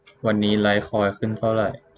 วันนี้ไลท์คอยน์ขึ้นเท่าไหร่